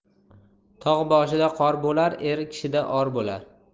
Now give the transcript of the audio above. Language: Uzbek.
tog' boshida qor bo'lar er kishida or bo'lar